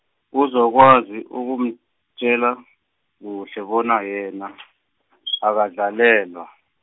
azokwazi ukumtjela, kuhle bona yena akadlalelwa.